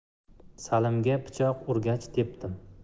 salimga pichok urgach tepdim